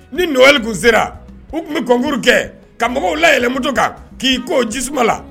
Ni nɔgɔyali tun sera u tun bɛ gmkuru kɛ ka mɔgɔw la yɛlɛmutu kan k'i ko ci tasuma la